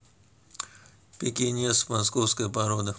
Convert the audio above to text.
пекинес московская порода